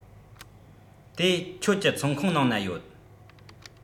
དེ ཁྱོད ཀྱི ཚོང ཁང ནང ན ཡོད